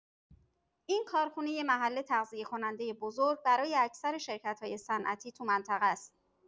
این کارخونه یه محل تغذیه‌کننده بزرگ برای اکثر شرکت‌های صنعتی تو منطقه‌ست.